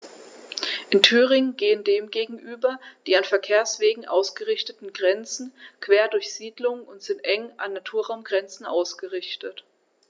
In Thüringen gehen dem gegenüber die an Verkehrswegen ausgerichteten Grenzen quer durch Siedlungen und sind eng an Naturraumgrenzen ausgerichtet.